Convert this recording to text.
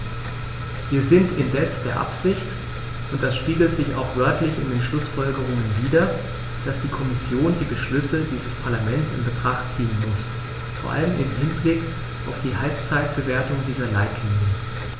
Wir sind indes der Ansicht und das spiegelt sich auch wörtlich in den Schlussfolgerungen wider, dass die Kommission die Beschlüsse dieses Parlaments in Betracht ziehen muss, vor allem im Hinblick auf die Halbzeitbewertung dieser Leitlinien.